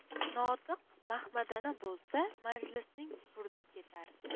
notiq mahmadana bo'lsa majlisning burdi ketar